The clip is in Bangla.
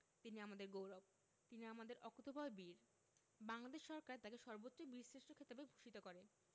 তিনি আমাদের গৌরব তিনি আমাদের অকুতোভয় বীর বাংলাদেশ সরকার তাঁকে সর্বোচ্চ বীরশ্রেষ্ঠ খেতাবে ভূষিত করে